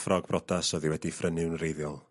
...ffrog brotas o'dd 'i wedi 'i phrynu'n wreiddiol.